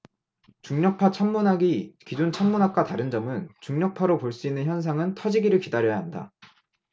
중력파 천문학이 기존 천문학과 다른 점은 중력파로 볼 수 있는 현상은 터지기를 기다려야 한다